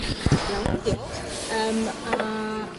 Iawn, diolch. Yym a